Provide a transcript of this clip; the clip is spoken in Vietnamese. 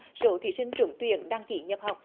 số thí sinh trúng tuyển đăng ký nhập học